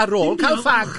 Ar ôl ca'l ffag!